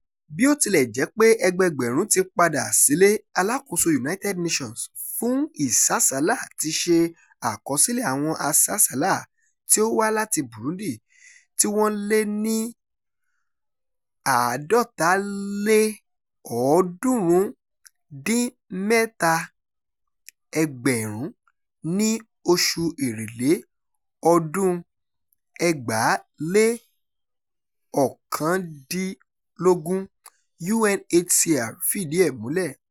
Bí ó tilẹ̀ jẹ́ pé ẹgbẹẹgbẹ̀rún ti padà sílé, alákòóso United Nations fún ìsásàálà ti ṣe àkọsílẹ̀ àwọn asásàálà tí ó wá láti Burundi tí wọ́n lé ní 347,000 ní oṣù Èrèlé 2019, UNHCR fìdí ẹ̀ múlẹ̀: